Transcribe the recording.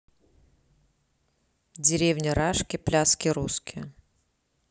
деревня рашки пляски русские